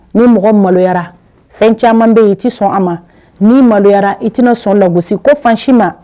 Ni mɔgɔ maloyara fɛn caman bɛ yen i tɛ sɔn a ma ni maloyara i tɛna sɔn da gosi ko fasi ma